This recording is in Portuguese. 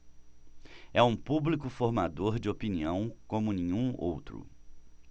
é um público formador de opinião como nenhum outro